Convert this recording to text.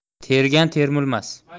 tergan termulmas